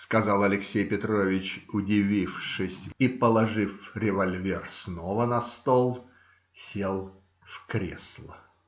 - сказал Алексей Петрович, удивившись, и, положив револьвер снова на стол, сел в кресло.